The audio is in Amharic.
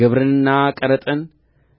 ግብርንና ቀረጥን